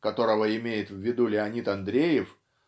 которого имеет в виду Леонид Андреев